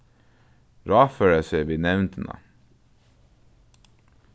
ráðføra seg við nevndina